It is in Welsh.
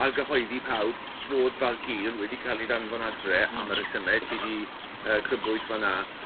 Barguil wedi ca'l 'i ddanfon adre am y resyme ti di yy crybwyll fan 'na.